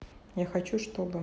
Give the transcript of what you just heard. я хочу чтобы